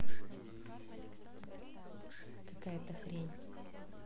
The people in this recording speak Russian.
какая то хрень